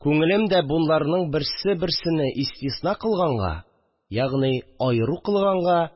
Күңелем дә боларның берсе берсене истисна кылганга, ягъни аеры кылганга